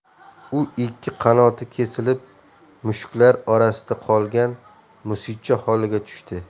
u ikki qanoti kesilib mushuklar orasida qolgan musicha holiga tushdi